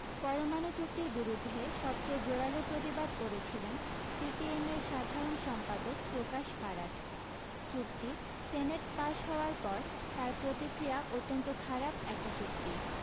পরমাণু চুক্তির বিরুদ্ধে সবচেয়ে জোরালো প্রতিবাদ করেছিলেন সিপিএমের সাধারণ সম্পাদক প্রকাশ কারাট চুক্তি সেনেট পাশ হওয়ার পর তাঁর প্রতিক্রিয়া অত্যন্ত খারাপ একটা চুক্তি